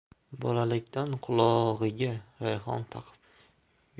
bolalikdan qulog'iga rayhon taqib